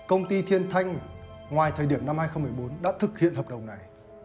công ty thiên thanh ngoài thời điểm năm hai không mười bốn đã thực hiện hợp đồng này